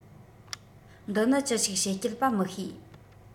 འདི ནི ཅི ཞིག བྱེད སྤྱད པ མི ཤེས